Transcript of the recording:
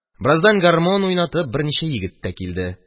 Бераздан, гармун уйнатып, берничә егет тә килде